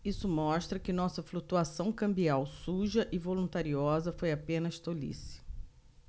isso mostra que nossa flutuação cambial suja e voluntariosa foi apenas tolice